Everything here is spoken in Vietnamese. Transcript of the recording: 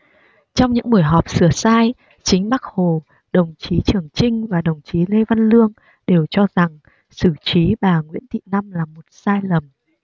trong những buổi họp sửa sai chính bác hồ đồng chí trường chinh và đồng chí lê văn lương đều cho rằng xử trí bà nguyễn thị năm là một sai lầm